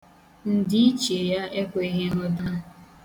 Ndiiche ya ekweghị nghọta.